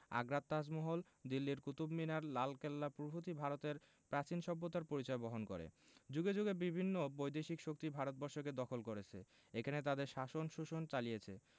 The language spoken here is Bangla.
আগ্রার তাজমহল দিল্লির কুতুব মিনার লালকেল্লা প্রভৃতি ভারতের প্রাচীন সভ্যতার পরিচয় বহন করেযুগে যুগে বিভিন্ন বৈদেশিক শক্তি ভারতবর্ষকে দখল করেছে এখানে তাদের শাসন ও শোষণ চালিছে